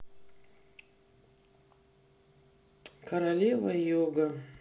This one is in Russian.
королева юга